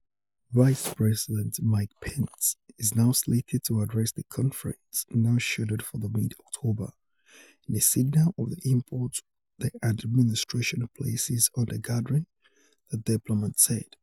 Vice President Mike Pence is now slated to address the conference, now scheduled for mid-October, in a signal of the import the administration places on the gathering, the diplomats said.